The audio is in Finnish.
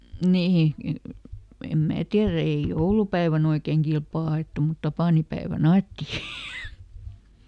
niin en minä tiedä ei joulupäivänä oikein kilpaa ajettu mutta tapaninpäivänä ajettiin